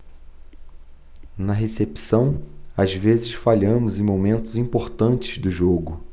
na recepção às vezes falhamos em momentos importantes do jogo